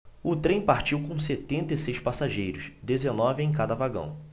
o trem partiu com setenta e seis passageiros dezenove em cada vagão